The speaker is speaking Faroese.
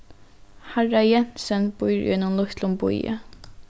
harra jensen býr í einum lítlum býi